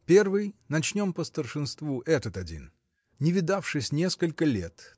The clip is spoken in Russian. – Первый, начнем по старшинству, этот один . Не видавшись несколько лет